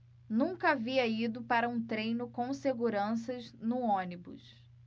nunca havia ido para um treino com seguranças no ônibus